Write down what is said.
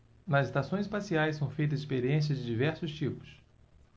nas estações espaciais são feitas experiências de diversos tipos